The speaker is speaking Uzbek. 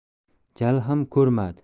jalil ham ko'rmadi